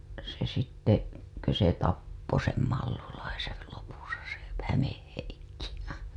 se sitten kun se tappoi sen Mallulaisen lopussa se - Hämeen Heikki